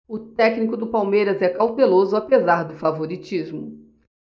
o técnico do palmeiras é cauteloso apesar do favoritismo